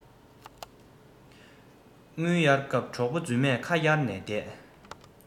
དངུལ གཡར སྐབས གྲོགས པོ རྫུན མས ཁ གཡར ནས བསྡད